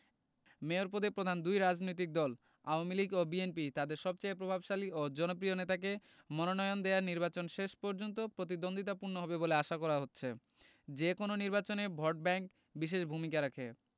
mayor পদে প্রধান দুই রাজনৈতিক দল আওয়ামী লীগ ও বিএনপি তাদের সবচেয়ে প্রভাবশালী ও জনপ্রিয় নেতাকে মনোনয়ন দেওয়ায় নির্বাচন শেষ পর্যন্ত প্রতিদ্বন্দ্বিতাপূর্ণ হবে বলে আশা করা হচ্ছে যেকোনো নির্বাচনে ভোটব্যাংক বিশেষ ভূমিকা রাখে